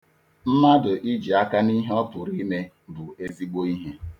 Mmadụ iji aka n'ihe ọ pụrụ ime bụ ezigbo ihe.